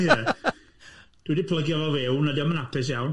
Ie, dwi 'di plygio fo fewn, a 'di o'm yn hapus iawn!